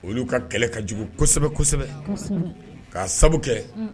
Olu y'u ka kɛlɛ ka jugu kosɛbɛ kosɛbɛ k kaa sababu kɛ